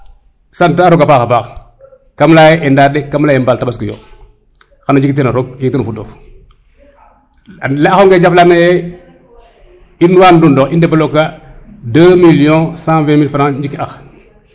sant a roga paxa paax kam leya ye ENDA de kam leya ye mbaal tabaski yo xano jeg tena roog jeg teen o fudof ley a xonge jaf lana ye in wa Ndounokh i debloquer a deux million cent vingt mille franc i njik ax